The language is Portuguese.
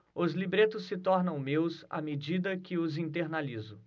os libretos se tornam meus à medida que os internalizo